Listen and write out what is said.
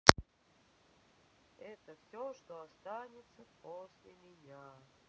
это все что останется после меня